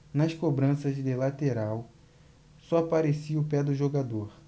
nas cobranças de lateral só aparecia o pé do jogador